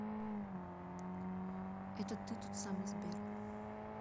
это ты тот самый сбер